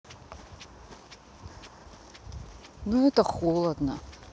ну это холодно